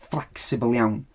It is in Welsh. Flexible iawn.